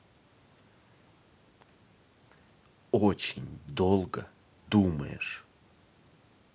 очень долго думаешь